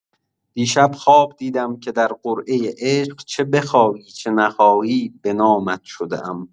دیشب خواب دیدم که در قرعۀ عشق چه بخواهی چه نخواهی به نامت شده‌ام!